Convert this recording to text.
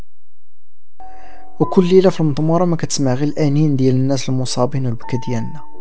وكل لي رقم ارامكس مع الناس المصابين